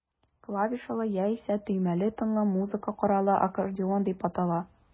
Клавишалы, яисә төймәле тынлы музыка коралы аккордеон дип атала.